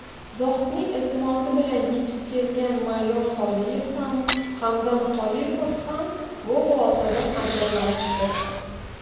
zohidning iltimosi bilan yetib kelgan mayor soliev ham hamdam tolipov ham bu xulosadan ajablanishdi